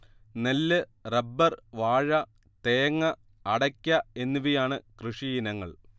നെല്ല് റബ്ബർ വാഴ തേങ്ങ അടയ്ക്ക എന്നിവയാണ് കൃഷിയിനങ്ങൾ